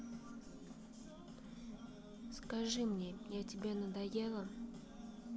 скажи мне я тебе надоела